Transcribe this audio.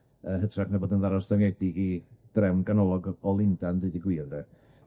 yy hytrach na bod yn ddarostyngedig i drefn ganolog o Lundan, deud y gwir de?